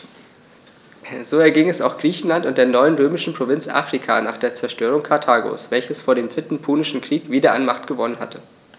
So erging es auch Griechenland und der neuen römischen Provinz Afrika nach der Zerstörung Karthagos, welches vor dem Dritten Punischen Krieg wieder an Macht gewonnen hatte.